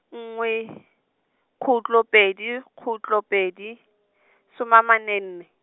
nngwe, khutlo pedi, kutlo pedi, some ama ne nne.